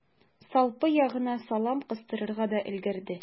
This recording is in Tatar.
Салпы ягына салам кыстырырга да өлгерде.